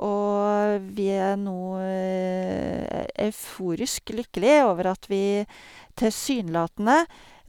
Og vi er nå euforisk lykkelig over at vi tilsynelatende